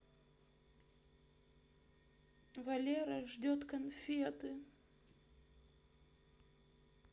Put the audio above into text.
валера жрет конфеты